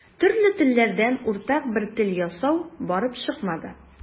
Төрле телләрдән уртак бер тел ясау барып чыкмады.